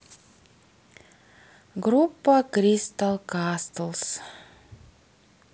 группа кристал кастлс